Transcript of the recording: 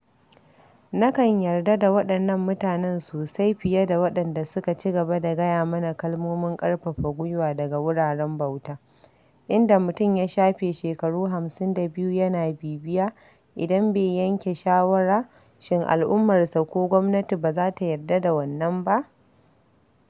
Nakan yarda da waɗannan mutanen sosai fiye da waɗanda suka ci gaba da gaya mana kalmomin ƙarfafa gwiwa daga wuraren bauta, inda mutum ya shafe shekaru 52 yana bibiya, idan bai yanke shawara, shin al'ummarsa ko gwamnati ba za ta yarda da wannan ba?